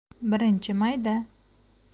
birinchi mayda